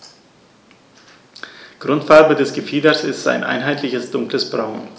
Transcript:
Grundfarbe des Gefieders ist ein einheitliches dunkles Braun.